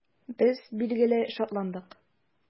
Без, билгеле, шатландык.